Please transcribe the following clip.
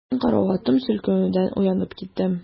Мин караватым селкенүдән уянып киттем.